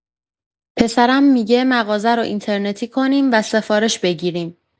پسرم می‌گه مغازه رو اینترنتی کنیم و سفارش بگیریم.